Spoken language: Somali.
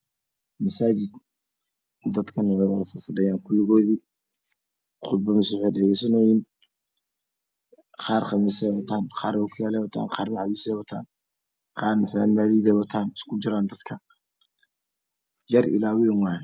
Waa masaajid dadkuna wada fadhiyaan oo qudbad dhageysanaayo qaar qamiisyo wataan qaar ookiyaalo wataan qaarna macawisyo wataan qaarna fanaanado wataan way iskujiraan.